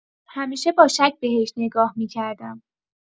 همیشه با شک بهش نگاه می‌کردم.